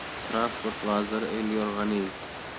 transport vaziri elyor g'aniyev